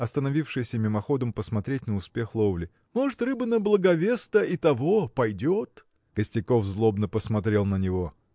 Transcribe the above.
остановившийся мимоходом посмотреть на успех ловли – может рыба на благовест-то и того. пойдет. Костяков злобно посмотрел на него.